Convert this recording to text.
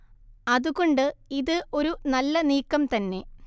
അത് കൊണ്ട് ഇത് ഒരു നല്ല നീക്കം തന്നെ